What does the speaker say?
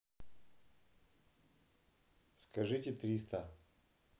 скажите триста